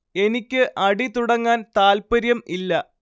എനിക്ക് അടി തുടങ്ങാൻ താല്പര്യം ഇല്ല